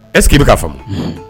Ɛsseke i bɛ ka fa